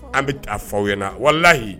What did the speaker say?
An bɛ a f'aw wallahi